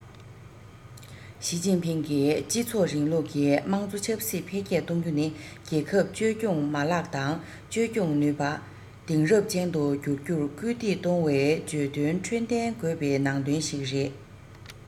ཞིས ཅིན ཕིང གིས སྤྱི ཚོགས རིང ལུགས ཀྱི དམངས གཙོ ཆབ སྲིད འཕེལ རྒྱས གཏོང རྒྱུ ནི རྒྱལ ཁབ བཅོས སྐྱོང མ ལག དང བཅོས སྐྱོང ནུས པ དེང རབས ཅན དུ འགྱུར རྒྱུར སྐུལ འདེད གཏོང བའི བརྗོད དོན ཁྲོད ལྡན དགོས པའི ནང དོན ཞིག རེད